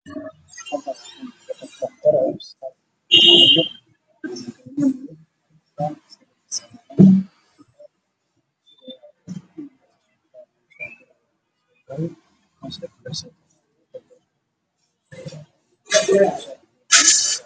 Waa kalkaaliso dureyso bukaankeeda